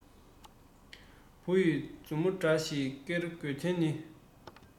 བུ ཡི མཛུབ མོ འདྲ ཞིག ཀེར དགོས དོན ནི